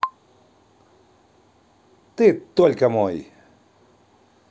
ты только мой